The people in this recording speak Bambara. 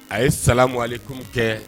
A ye sa mo kun kɛ